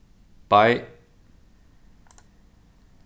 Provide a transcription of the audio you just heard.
bei